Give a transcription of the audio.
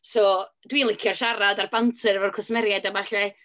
So dwi'n licio'r siarad a'r banter efo'r cwsmeriaid a ballu.